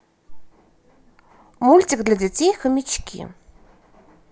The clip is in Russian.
мультик для детей хомячки